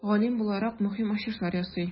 Галим буларак, мөһим ачышлар ясый.